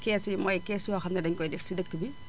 kees yi mooy kees yoo xam ne dañu koy def si dëkk bi